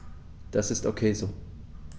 Das ist ok so.